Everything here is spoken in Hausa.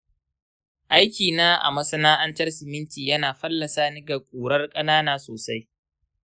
aikina a masana’antar siminti yana fallasa ni ga ƙurar ƙanana sosai.